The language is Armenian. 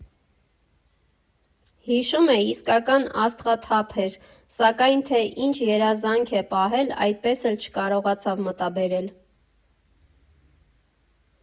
Հիշում է, իսկական աստղաթափ էր, սակայն, թե ինչ երազանք է պահել՝ այդպես էլ չկարողացավ մտաբերել։